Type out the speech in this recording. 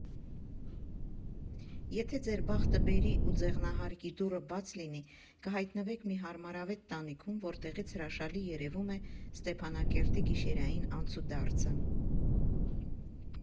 Եթե ձեր բախտը բերի ու ձեղնահարկի դուռը բաց լինի, կհայտնվեք մի հարմարավետ տանիքում, որտեղից հրաշալի երևում է Ստեփանակերտի գիշերային անցուդարձը։